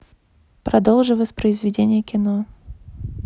продолжи воспроизведение кино